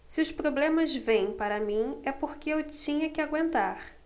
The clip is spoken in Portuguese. se os problemas vêm para mim é porque eu tinha que aguentar